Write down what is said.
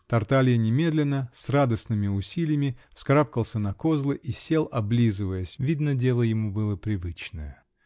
Тарталья немедленно, с радостными усилиями, вскарабкался на козлы и сел, облизываясь: видно, дело ему было привычное.